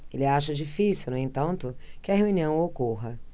ele acha difícil no entanto que a reunião ocorra